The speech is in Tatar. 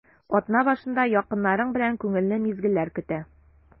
Атна башында якыннарың белән күңелле мизгелләр көтә.